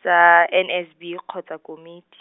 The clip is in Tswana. tsa N S B kgotsa komiti.